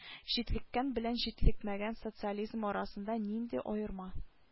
Җитлеккән белән җитлекмәгән социализм арасында нинди аерма